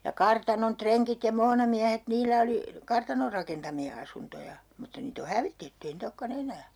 ja kartanon rengit ja muonamiehet niillä oli kartanon rakentamia asuntoja mutta niitä on hävitetty ei niitä olekaan enää